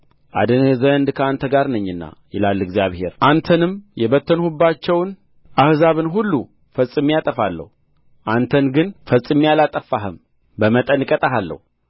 አድንህ ዘንድ ከአንተ ጋር ነኝና ይላል እግዚአብሔር አንተንም የበተንሁባቸውን አሕዛብን ሁሉ ፈጽሜ አጠፋለሁ አንተን ግን ፈጽሜ አላጠፋህም በመጠን እቀጣሃለሁ